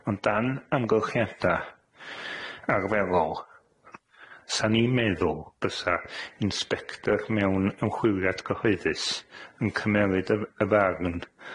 Ond dan amgylchiada arferol, 'san ni'n meddwl bysa inspector mewn ymchwiliad cyhoeddus yn cymeryd y- y farn